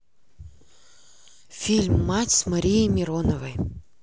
фильм мать с марией мироновой